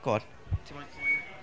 Go on.